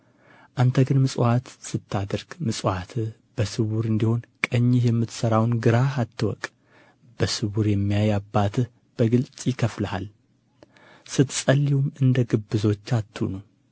አንተ ግን ምጽዋት ስታደርግ ምጽዋትህ በስውር እንዲሆን ቀኝህ የምትሠራውን ግራህ አትወቅ በስውር የሚያይ አባትህም በግልጥ ይከፍልሃል ስትጸልዩም እንደ ግብዞች አትሁኑ